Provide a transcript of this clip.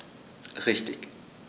Richtig